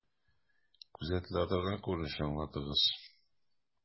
Күзәтелә торган күренешне аңлатыгыз.